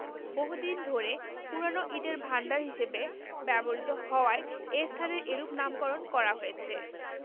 বহুদিন ধরে পুরানো ইটের ভাণ্ডার হিসেবে ব্যবহৃত হওয়ায় এ স্থানের এরূপ নামকরণ করা হয়েছে